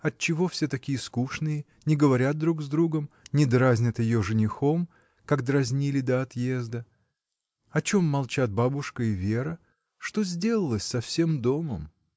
Отчего все такие скучные, не говорят друг с другом, не дразнят ее женихом, как дразнили до отъезда? О чем молчат бабушка и Вера? Что сделалось со всем домом?